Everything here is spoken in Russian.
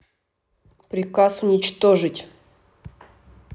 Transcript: приказ уничтожить